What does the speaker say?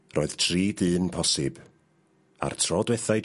Roedd tri dyn posib. A'r tro dwetha i...